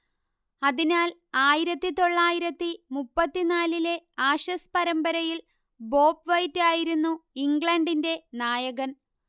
അതിനാൽ ആയിരത്തിതൊള്ളായിരത്തി മുപ്പത്തിനാലിലെ ആഷസ് പരമ്പരയിൽ ബോബ് വൈറ്റ് ആയിരുന്നു ഇംഗ്ലണ്ടിന്റെ നായകൻ